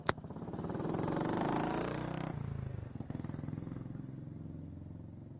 звук разбитого стекла